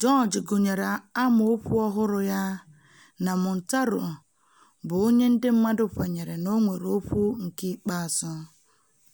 George gụnyere amookwu ọhụrụ ya ma Montaro bụ onye ndị mmadụ kwenyere na o nwere okwu nke ikpeazụ: